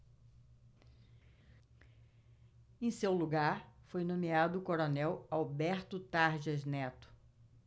em seu lugar foi nomeado o coronel alberto tarjas neto